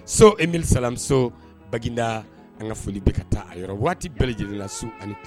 So e misalami bada an ka foli bɛ ka taa a yɔrɔ waati bɛɛ lajɛlenla su ani